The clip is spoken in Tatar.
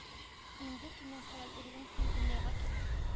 Инде синең хәлял углың тиз дөньяга килер